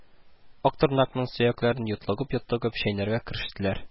Актырнакның сөякләрен йотлыгып-йотлыгып чәйнәргә керештеләр